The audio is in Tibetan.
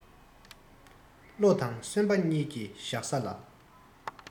བློ དང སེམས པ གཉིས ཀྱི བཞག ས ལ